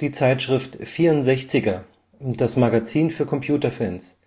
Die Zeitschrift 64'er – Das Magazin für Computerfans